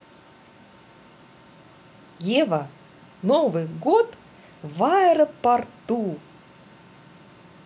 ева новый год в аэропорту